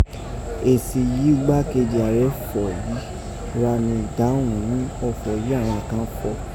Esi yìí ugbákéjì aarẹ fi yi gha ni idahun ghún ọfọ yìí àghan kàn fọ̀.